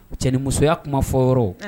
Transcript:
Cɛ ni musoya kuma fɔ yɔrɔ